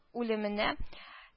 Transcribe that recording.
Үлеменә